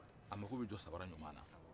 a mako bɛ jɔ samara ɲuman na